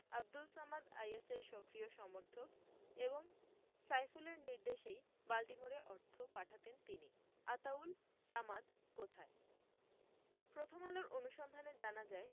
আবদুল সামাদ আইএসের সক্রিয় সমর্থক এবং সাইফুলের নির্দেশেই বাল্টিমোরে অর্থ পাঠাতেন তিনি আতাউল সামাদ কোথায় প্রথম আলোর অনুসন্ধানে জানা যায়